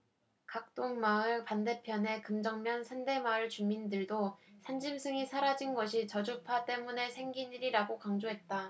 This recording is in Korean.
각동마을 반대편의 금정면 산대마을 주민들도 산짐승이 사라진 것이 저주파 때문에 생긴 일이라고 강조했다